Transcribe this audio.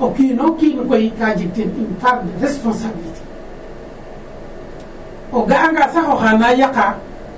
O kiin o kiin koy ka jeg teen une part de responsabliter. O ga'angaa sax oxa na yaqaa